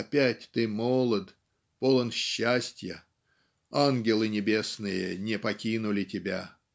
Опять ты молод, полон счастья, ангелы небесные не покинули тебя.